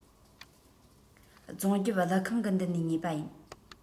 རྫོང རྒྱབ ཀླུ ཁང གི མདུན ནས ཉོས པ ཡིན